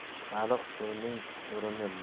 baliq suvning chuqurini